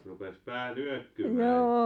rupesi pää nyökkymään